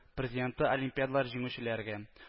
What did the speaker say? Президенты олимпиадалар җиңүчеләргә